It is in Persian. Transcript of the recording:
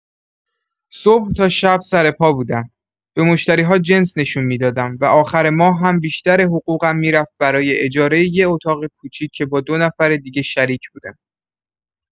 صبح تا شب سرپا بودم، به مشتری‌ها جنس نشون می‌دادم و آخر ماه هم بیشتر حقوقم می‌رفت برای اجارۀ یه اتاق کوچیک که با دو نفر دیگه شریک بودم.